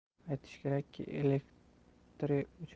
aytish kerakki elektri